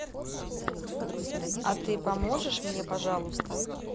а ты можешь мне пожалуйста